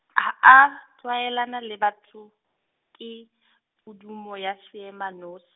ha a, tlwaelane le batho, ke , pudumo ya seema nos-.